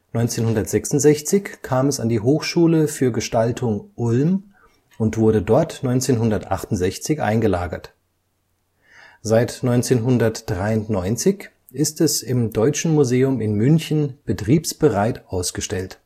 1966 kam es an die Hochschule für Gestaltung Ulm und wurde dort 1968 eingelagert. Seit 1993 ist es im Deutschen Museum in München betriebsbereit ausgestellt